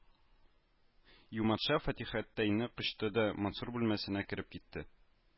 Юматша Фатихәттәйне кочты да Мансур бүлмәсенә кереп китте